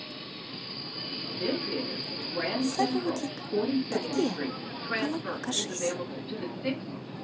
салютик ты где оно покажись